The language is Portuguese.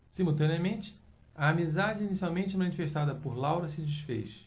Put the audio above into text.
simultaneamente a amizade inicialmente manifestada por laura se disfez